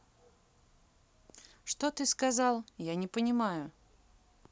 что ты сказал я не понимаю